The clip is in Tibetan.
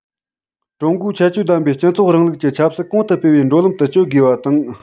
ཀྲུང གོའི ཁྱད ཆོས ལྡན པའི སྤྱི ཚོགས རིང ལུགས ཀྱི ཆབ སྲིད གོང དུ སྤེལ བའི འགྲོ ལམ དུ བསྐྱོད དགོས པ དང